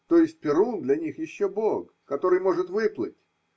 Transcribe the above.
То есть Перун для них еще бог, который может выплыть.